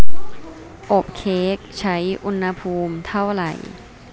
อบเค้กใช้อุณหภูมิเท่าไหร่